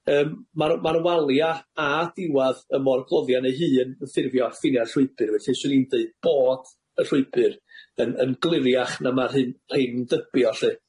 Yym, ma'r ma'r walia' a diwadd y morgloddion eu hun yn ffurfio ffiniau'r llwybyr, felly 'swn i'n deud bod y llwybyr yn yn gliriach na ma'r hyn- rhein yn dybio lly.